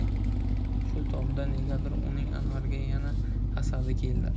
shu topda negadir uning anvarga yana hasadi keldi